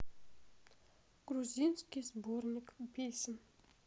грузинский сборник песен